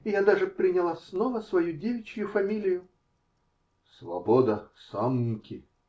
-- И я даже приняла снова свою девичью фамилию. -- Свобода самки.